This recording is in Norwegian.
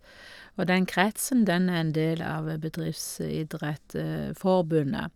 Og den kretsen, den er en del av Bedriftsidrettforbundet.